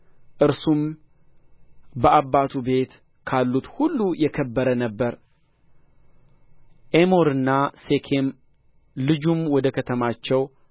እርሱም በአባቱ ቤት ካሉት ሁሉ የከበረ ነበረ ኤሞርና ሴኬም ልጁም ወደ ከተማቸው